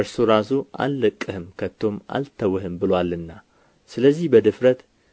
እርሱ ራሱ አልለቅህም ከቶም አልተውህም ብሎአልና ስለዚህ በድፍረት